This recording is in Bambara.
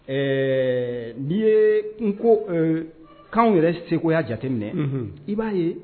Ɛɛ n'i yee n ko ee kanw yɛrɛ segoya jateminɛ unhun i b'a ye